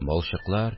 Балчыклар